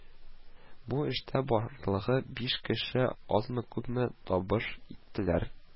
Бу эштә барлыгы биш кеше азмы-күпме табыш иттеләр